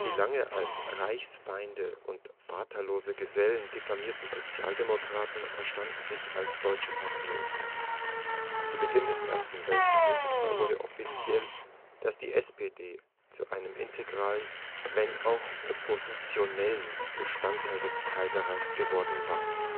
lange als „ Reichsfeinde “und „ vaterlandslose Gesellen “diffamierten Sozialdemokraten verstanden sich als deutsche Patrioten. Zu Beginn des Ersten Weltkrieges wurde offensichtlich, dass die SPD zu einem integralen – wenn auch oppositionellen – Bestandteil des Kaiserreichs geworden war